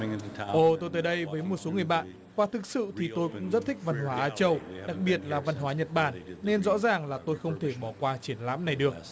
ô tôi tới đây với một số người bạn và thực sự thì tôi cũng rất thích văn hóa á châu đặc biệt là văn hóa nhật bản nên rõ ràng là tôi không thể bỏ qua triển lãm này được